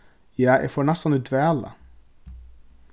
ja eg fór næstan í dvala